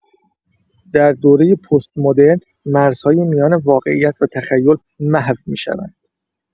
در دوره پست‌مدرن، مرزهای میان واقعیت و تخیل محو می‌شوند.